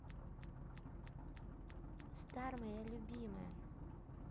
star моя любимая